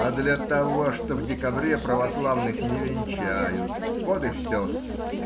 А для того, что в декабре православных не венчают! Вот и все-с.